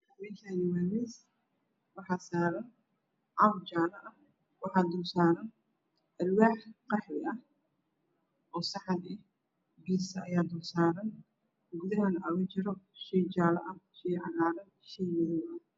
Meshani waa miis waxaa saran caag jala ah waxaa dulsaean alwaax qaxwi ah oo saxan ah bidsa ayaa dul saran gudahana aaxaa uga jira shey jala iyo shey cagaran iyo shey madow